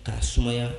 K'a suma